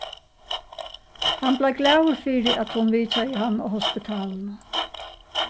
hann bleiv glaður fyri at hon vitjaði hann á hospitalinum